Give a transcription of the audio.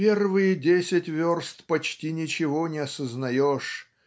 "первые десять верст почти ничего не сознаешь